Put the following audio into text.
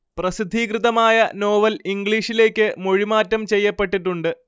പ്രസിദ്ധീകൃതമായ novel ഇംഗ്ലീഷിലേയ്ക്ക് മൊഴിമാറ്റം ചെയ്യപ്പെട്ടിട്ടുണ്ട്